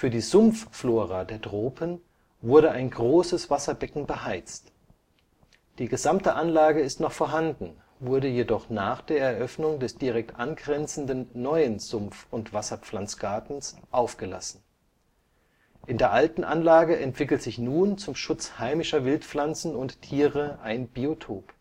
die Sumpfflora der Tropen wurde ein großes Wasserbecken beheizt. Die gesamte Anlage ist noch vorhanden, wurde jedoch nach der Eröffnung des direkt angrenzenden neuen Sumpf - und Wasserpflanzengartens aufgelassen. In der alten Anlage entwickelt sich nun zum Schutz heimischer Wildpflanzen und - tiere ein Biotop